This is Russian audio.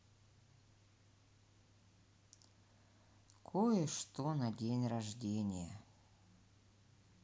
кое что на день рождения